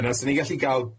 Yna 'san ni'n gallu ga'l